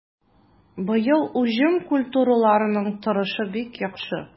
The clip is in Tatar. Быел уҗым культураларының торышы бик яхшы.